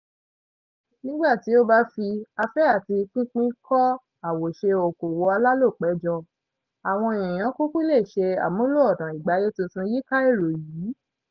Nígbà tí ó bá fi afẹ́ àti pínpín kọ́ àwòṣe òkòwò alálòpẹ́ jọ, àwọn èèyàn kúkú lè ṣe àmúlò ọ̀nà ìgbáyé tuntun yíká èrò yìí.